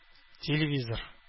Телевизор